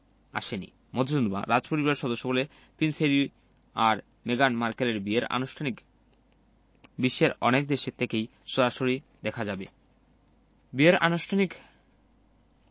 আসেনি মধুচন্দ্রিমা রাজপরিবারের সদস্য বলে প্রিন্স হ্যারি আর মেগান মার্কেলের বিয়ের অনুষ্ঠানিক বিশ্বের অনেক দেশ থেকেই সরাসরি দেখা যাবে বিয়ের অনুষ্ঠা্নিক